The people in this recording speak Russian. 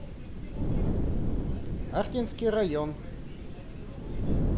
артинский район